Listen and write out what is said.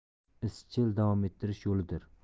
izchil davom ettirish yo'lidir